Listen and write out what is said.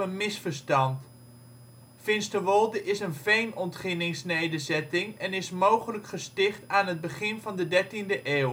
misverstand. Finsterwolde is een veenontginningsnederzetting en is mogelijk gesticht aan het begin van de dertiende eeuw